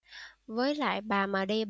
với lại bà mà đi